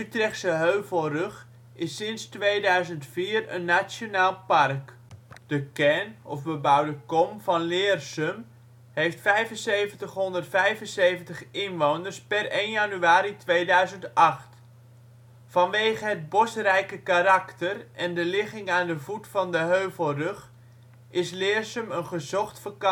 Utrechtse Heuvelrug is sinds 2004 een nationaal park. De kern (bebouwde kom) van Leersum heeft 7.575 inwoners (1 januari 2008). Vanwege het bosrijke karakter en de ligging aan de voet van de Heuvelrug, is Leersum een gezocht vakantieoord